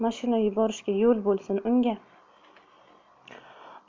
mashina yuborish yo'l bo'lsin unga